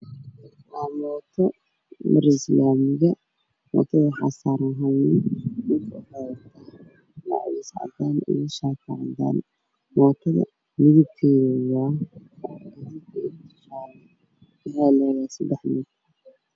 Waa mooto mareyso laami waxaa saaran nin wato, macawis cadaan iyo shaati cadaan ah ayuu wataa. Mootodu waxay leedahay seddex midab.